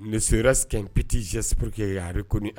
N serasptetizspurke ye a bɛ kɔni